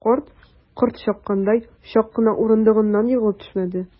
Карт, корт чаккандай, чак кына урындыгыннан егылып төшмәде.